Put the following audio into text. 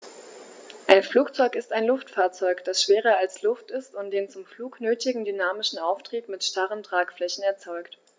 Ein Flugzeug ist ein Luftfahrzeug, das schwerer als Luft ist und den zum Flug nötigen dynamischen Auftrieb mit starren Tragflächen erzeugt.